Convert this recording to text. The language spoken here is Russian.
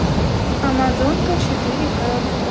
амазонка четыре ка